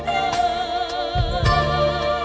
nỗi cô đơn